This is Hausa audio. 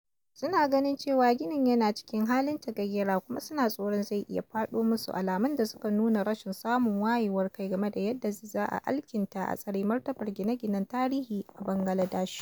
Suna ganin cewa ginin yana cikin halin tagayyara kuma suna tsoron zai iya faɗo musu - alamun da suke nuna rashin samun wayewar kai game da yadda za a alkinta da tsare martabar gine-ginen tarihi a Bangaladesh.